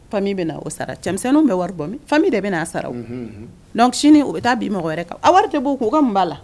Famille bɛna o sara cɛmisɛniw bɛ wari bɔ famille de bɛ a sara o donc sini o bɛ taa bin mɔgɔ wɛrɛ kan a wari tɛ bɔ u kun u ka mun